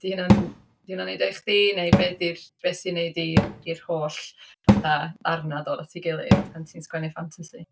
Ydy hynna'n ydy hynna'n wneud o i chdi, neu be 'di'r... be sy'n wneud i'r i'r holl fatha ddarnau ddod at ei gilydd pan ti'n sgwennu ffantasi?